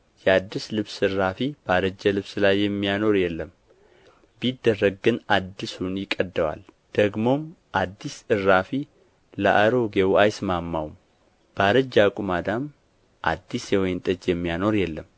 የአዲስ ልብስ እራፊ ባረጀ ልብስ ላይ የሚያኖር የለም ቢደረግ ግን አዲሱን ይቀደዋል ደግሞም አዲስ እራፊ ለአሮጌው አይስማማውም ባረጀ አቁማዳም አዲስ የወይን ጠጅ የሚያኖር የለም